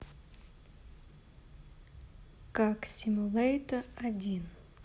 как simulator один